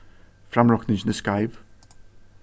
framrokningin er skeiv